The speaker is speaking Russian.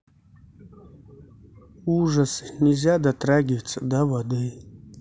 ужасы нельзя дотрагиваться до воды